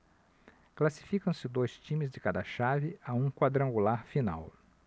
classificam-se dois times de cada chave a um quadrangular final